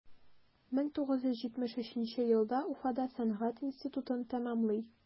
1973 елда уфада сәнгать институтын тәмамлый.